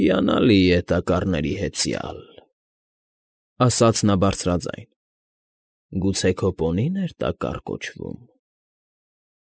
Հիանալի է, Տակառների հեծյալ,֊ ասաց նա բարձրաձայն։֊ Գուցե քո պոնի՞ն էր Տակառ կոչվում։